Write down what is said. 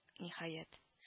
Ниһаять